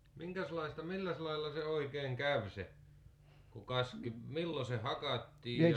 minkäslaista milläs lailla se oikein kävi se kun kaski milloin se hakattiin ja